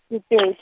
Sepe-.